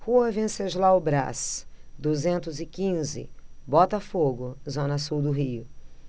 rua venceslau braz duzentos e quinze botafogo zona sul do rio